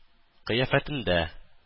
Кыяфәтендә